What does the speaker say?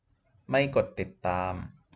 ไม่กดติดตาม